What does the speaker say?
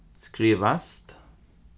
skrivast